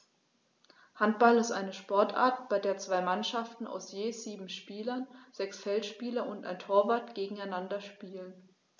Handball ist eine Sportart, bei der zwei Mannschaften aus je sieben Spielern (sechs Feldspieler und ein Torwart) gegeneinander spielen.